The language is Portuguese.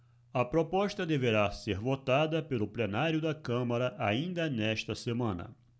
a proposta deverá ser votada pelo plenário da câmara ainda nesta semana